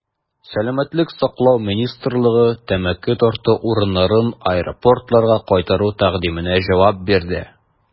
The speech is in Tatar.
Сәламәтлек саклау министрлыгы тәмәке тарту урыннарын аэропортларга кайтару тәкъдименә җавап бирде.